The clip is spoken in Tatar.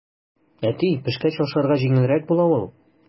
Әти, пешкәч ашарга җиңелрәк була ул.